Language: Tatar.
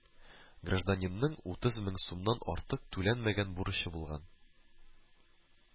Гражданинның утыз мең сумнан артык түләнмәгән бурычы булган